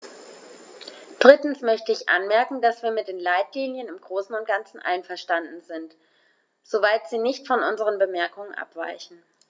Drittens möchte ich anmerken, dass wir mit den Leitlinien im großen und ganzen einverstanden sind, soweit sie nicht von unseren Bemerkungen abweichen.